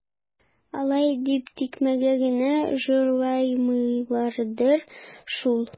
Алай дип тикмәгә генә җырламыйлардыр шул.